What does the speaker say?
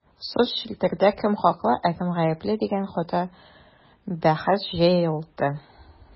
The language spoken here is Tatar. Соцчелтәрләрдә кем хаклы, ә кем гапле дигән каты бәхәс җәелде.